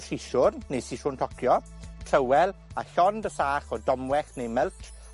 siswrn, ne siswrn tocio, trywel, a llond y sach o domwellt neu melt,